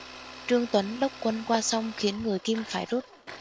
trương tuấn đốc quân qua sông khiến người kim phải rút